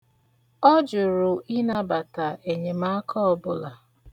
Ọ jụrụ ịnabata enyemaka ọbụla.